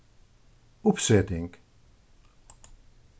uppseting